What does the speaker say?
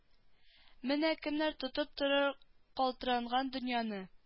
Менә кемнәр тотып торыр калтыранган дөньяны